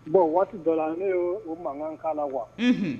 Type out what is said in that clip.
Bon waati dɔ la ne ye o mankan kan la wa